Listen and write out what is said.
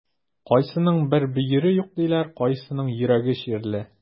Кайсының бер бөере юк диләр, кайсының йөрәге чирле.